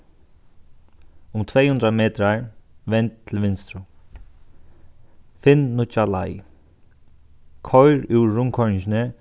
um tvey hundrað metrar vend til vinstru finn nýggja leið koyr úr rundkoyringini